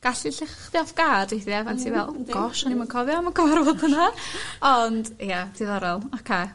gallu llych di off guard weithia pan ti fel o gosh o'n ni'm yn cofio am y gyfarfod hyna. Ond ia diddorol oce...